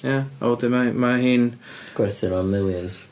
Ie, a wedyn ma- mae hi'n... Gwerthu nhw am millions.